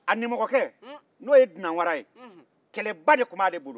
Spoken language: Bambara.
a nimɔgɔkɛ n'o ye dunanwara ye kɛlɛba de tun b'ale bolo